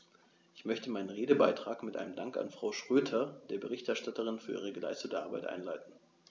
Ich möchte meinen Redebeitrag mit einem Dank an Frau Schroedter, der Berichterstatterin, für die geleistete Arbeit einleiten.